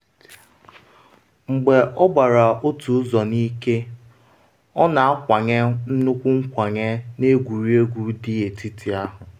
Mgbe ọ gabara otu ụzọ n’ike, ọ na-akwanye nnukwu nkwanye na egwuregwu ndị etiti ahụ.